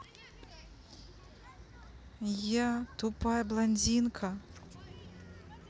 я тупая блондинка